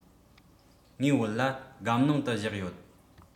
ངའི བོད ལྭ སྒམ ནང དུ བཞག ཡོད